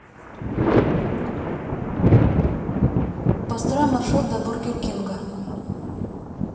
построй маршрут до бургер кинга